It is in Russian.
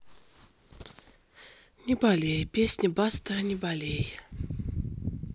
не болей песня баста не болей